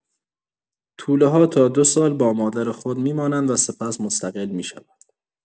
توله‌ها تا دو سال با مادر خود می‌مانند و سپس مستقل می‌شوند.